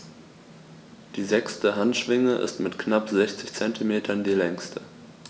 Die sechste Handschwinge ist mit knapp 60 cm die längste.